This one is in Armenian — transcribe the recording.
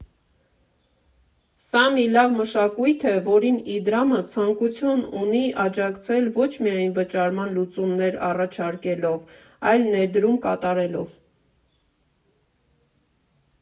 Սա մի լավ մշակույթ է, որին Իդրամը ցանկություն ունի աջակցել ոչ միայն վճարման լուծումներ առաջարկելով, այլ ներդրում կատարելով։